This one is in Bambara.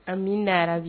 Amina rabi